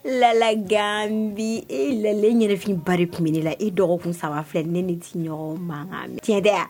Lala Ganbi, ee Lale ɲɛnafinba tun bɛ ne la. E dɔgɔkun 3 filɛ ne ni tɛ ɲɔgɔn mankan mɛn, tiɲɛ tɛ wa?